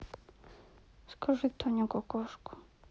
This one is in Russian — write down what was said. скажи таня какашка